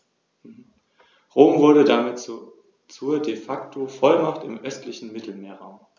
Diese Delegation von Aufgaben ermöglichte es den Römern, mit einer sehr kleinen zentralen Administration operieren zu können.